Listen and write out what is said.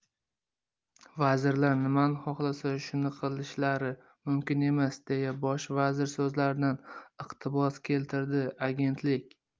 vazirlar nimani xohlasa shuni qilishlari mumkin emas deya bosh vazir so'zlaridan iqtibos keltirdi agentlik